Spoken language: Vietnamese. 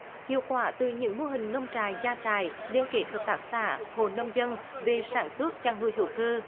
hiệu quả từ những mô hình nông trại gia trại điêu kết hợp tác xã hộ nông dân về sản xuất chăn nuôi hữu cơ